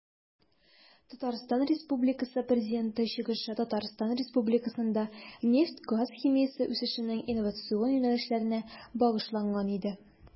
ТР Президенты чыгышы Татарстан Республикасында нефть-газ химиясе үсешенең инновацион юнәлешләренә багышланган иде.